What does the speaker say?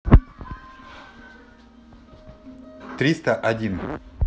триста один